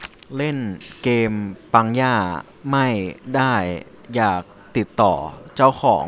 เล่นเกมปังย่าไม่ได้อยากติดต่อเจ้าของ